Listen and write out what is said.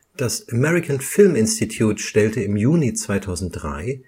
Das American Film Institute stellte im Juni 2003